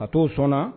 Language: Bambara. Ka'o sɔnna